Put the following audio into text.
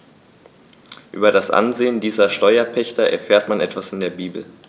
Über das Ansehen dieser Steuerpächter erfährt man etwa in der Bibel.